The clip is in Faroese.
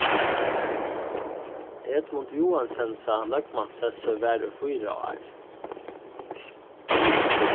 edmund joensensa løgmanssessur var í fýra ár